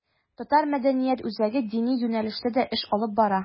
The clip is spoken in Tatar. Татар мәдәният үзәге дини юнәлештә дә эш алып бара.